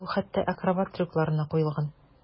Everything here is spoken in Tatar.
Ул хәтта акробат трюкларына куелган.